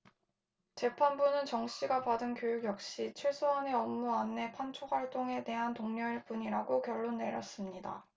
재판부는 정씨가 받은 교육 역시 최소한의 업무 안내 판촉활동에 대한 독려일 뿐이라고 결론 내렸습니다